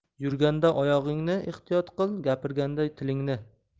yurganda oyog'ingni ehtiyot qil gapirganda tilingni